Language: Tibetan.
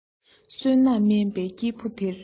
བསོད ནམས དམན པའི སྐྱེ བུ དེར